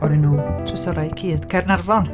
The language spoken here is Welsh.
O'r enw...'Trysorau Cudd Caernarfon'.